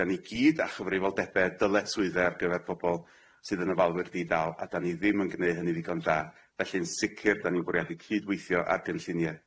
'Dan ni gyd â chyfrifoldebe dyletswydde ar gyfer pobol sydd yn offalwyr di-dal a 'dan ni ddim yn gneu' hynny ddigon da felly'n sicir 'dan ni'n bwriadu cydweithio a'r gynllunie.